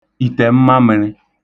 ìtẹ̀mmamị̄rị̄